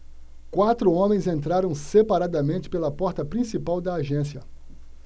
quatro homens entraram separadamente pela porta principal da agência